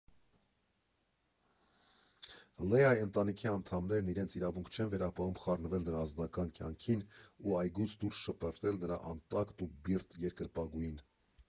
Լեայի ընտանիքի անդամներն իրենց իրավունք չեն վերապահում խառնվել նրա անձնական կյանքին, ու այգուց դուրս շպրտել նրա անտակտ ու բիրտ երկրպագուին։